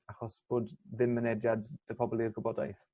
Achos bod ddim mynediad 'da pobol i'r gwybodaeth.